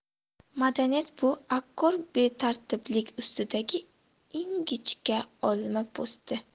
madaniyat bu akkor betartiblik ustidagi ingichka olma po'sti